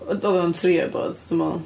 Oedd o'n trio bod, dwi'n meddwl.